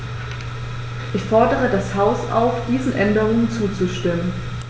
Ich fordere das Haus auf, diesen Änderungen zuzustimmen.